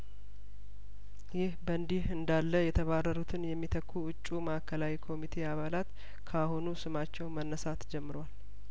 ይህ በእንዲህ እንዳለየተባረሩትን የሚተኩ እጩ ማእከላዊ ኮሚቴ አባላት ከአሁኑ ስማቸው መነሳት ጀምሯል